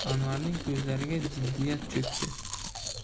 anvarning ko'zlariga jiddiyat cho'kdi